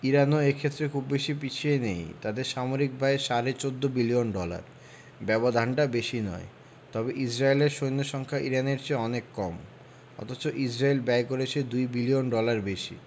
ইরানও এ ক্ষেত্রে খুব বেশি পিছিয়ে নেই তাদের সামরিক ব্যয় সাড়ে ১৪ বিলিয়ন ডলার ব্যবধানটা বেশি নয় তবে ইসরায়েলের সৈন্য সংখ্যা ইরানের চেয়ে অনেক কম অথচ ইসরায়েল ব্যয় করছে ২ বিলিয়ন ডলার বেশি